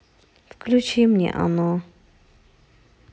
включи мне оно